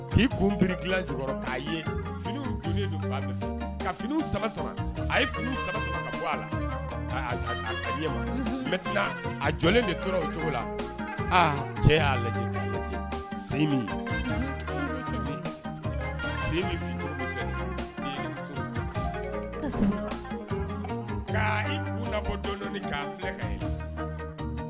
I kunbri dilan k'a ye fini ka fini saba a ye fini a laa a jɔlen de tora o cogo la cɛ y'a lajɛ se min k'' ka ye